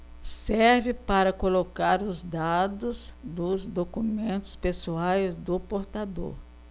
serve para colocar os dados dos documentos pessoais do portador